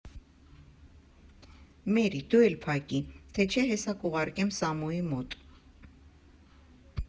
Մերի, դու էլ փակի, թե չէ հեսա կուղարկեմ Սամոյի մոտ…